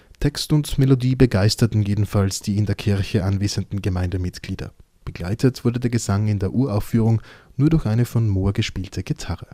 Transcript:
Text und Melodie begeisterten die in der Kirche anwesenden Gemeindemitglieder. Begleitet wurde der Gesang in der Uraufführung nur durch eine von Mohr gespielte Gitarre